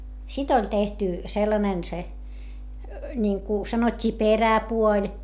sitten oli tehty sellainen se niin kuin sanottiin peräpuoli